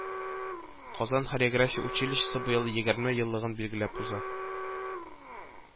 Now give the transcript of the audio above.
Казан хореография училищесы быел егерме еллыгын билгеләп уза